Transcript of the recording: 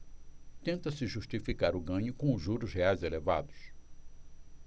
tenta-se justificar o ganho com os juros reais elevados